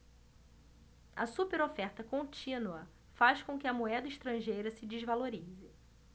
a superoferta contínua faz com que a moeda estrangeira se desvalorize